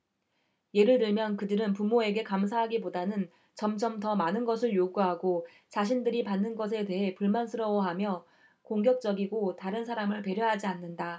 예를 들면 그들은 부모에게 감사하기보다는 점점 더 많은 것을 요구하고 자신들이 받는 것에 대해 불만스러워하며 공격적이 고 다른 사람을 배려하지 않는다